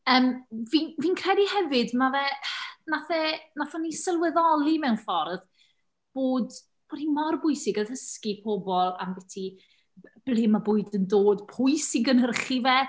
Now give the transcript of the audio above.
Yym fi fi'n credu hefyd, mae fe... wnaeth e... wnaethon ni sylweddoli mewn ffordd bod... bod hi mor bwysig addysgu pobl ambyti ble ma' bwyd yn dod, pwy sy'n gynhyrchu fe.